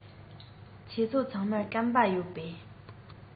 ཁྱེད ཚོ ཚང མར སྐམ པ ཡོད པས